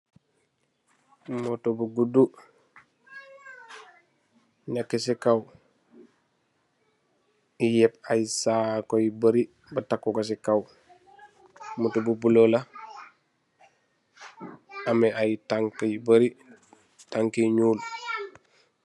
Moto bu guddu nekka ci kaw, yëp ay sagu yu bari ba takk ko ci kaw. Moto bu bulo la ameh ay tank yu bari, tank yu ñuul.